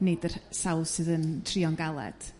Nid yr rh- sawl sydd yn trio'n galed.